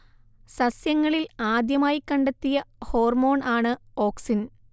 സസ്യങ്ങളിൽ ആദ്യമായി കണ്ടെത്തിയ ഹോർമോൺ ആണ് ഓക്സിൻ